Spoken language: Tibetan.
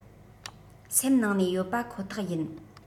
སེམས ནང ནས ཡོད པ ཁོ ཐག ཡིན